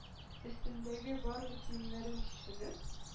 Өстендәге барлык киемнәрен, чишенеп,